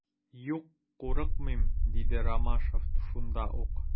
Юк, курыкмыйм, - диде Ромашов шунда ук.